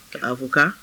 A ko k'a